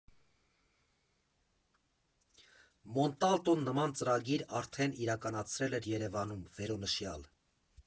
Մոնտալտոն նման ծրագիր արդեն իրականացրել էր Երևանում՝ վերոնշյալ։